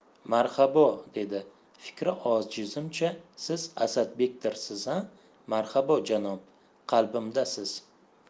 marhabo dedi fikri ojizimcha siz asadbekdirsiz a marhabo janob qalbimdasiz